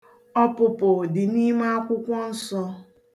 Ọpụpụ dị n'ime akwụkwọ nsọ.